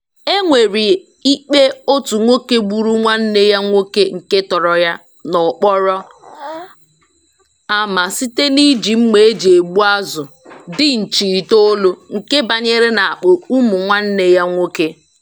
E nwere ikpe otu nwoke gburu nwanne ya nwoke nke tọrọ ya n'okporo ámá site n'iji mma e ji egbu azụ dị ịnchị itoolu nke banyere n'akpa ume nwanne ya nwoke.